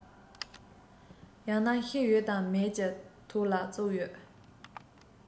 ཡང ན ཤི ཡོད དང མེད ཀྱི ཐོག ལ བཙུགས ཡོད